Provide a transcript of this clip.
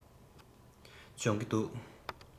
སྦྱོང གི འདུག